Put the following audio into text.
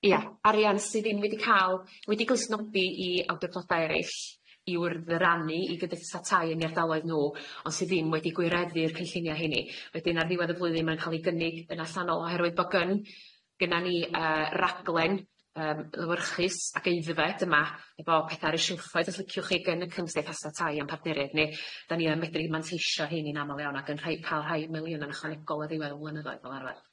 Ia arian sy ddim wedi ca'l wedi' glustnodi i awdurdoda erill i'w ddyrannu i gydeithasa tai yn 'i ardaloedd nw ond sy ddim wedi gwireddu'r cynllunia hynny wedyn ar ddiwedd y flwyddyn ma'n ca'l 'i gynnig yn allanol oherwydd bo gynna ni yy raglen yym lywyrchus ag aeddfed yma efo petha ar y shilffoedd os liciwch chi gyn y cymdeithasa tai a'n partneried ni 'dan ni yn medru manteisho heini yn amal iawn ac yn rhei- ca'l rhai miliyna'n ychwanegol ar ddiwedd y flynyddoedd fel arfer.